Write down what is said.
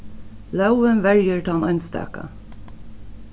lógin verjir tann einstaka